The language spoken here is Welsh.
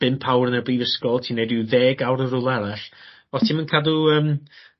bump awr yn y brifysgol ti'n neud ryw ddeg awr yn rwla arall os ti'm yn cadw yym